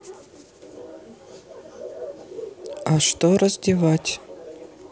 а что раздевать